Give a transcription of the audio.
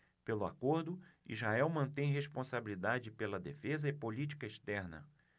pelo acordo israel mantém responsabilidade pela defesa e política externa